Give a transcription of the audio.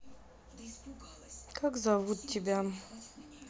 как зовут тебя